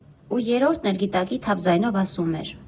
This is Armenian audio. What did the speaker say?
Ու երրորդն էլ գիտակի թավ ձայնով ասում էր.